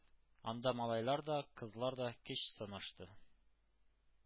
Анда малайлар да, кызлар да көч сынашты.